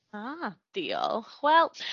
aa diolch. Wel